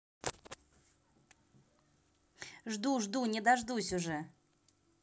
жду жду не дождусь уже